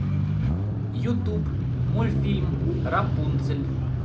ютуб мультфильм рапунцель